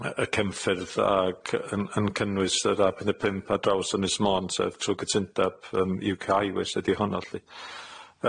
yy cefnffyrdd ag yn yn cynnwys yy A Pumdeg Pump ar draws Ynys Môn sef trw' gytundab yym You Kay Highways ydi honno lly.